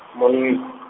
monni.